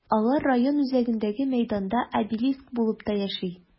Алар район үзәгендәге мәйданда обелиск булып та яши.